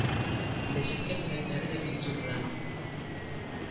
Киләчәккә теләкләре дә бик зурдан